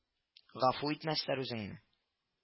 Гафу итмәсләр үзеңне